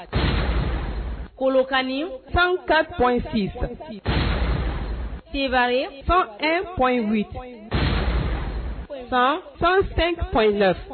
Kolokani 104.6 , Sevare 101.8 , San 105.9